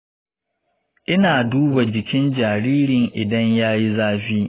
ina duba jikin jariri idan ya yi zafi.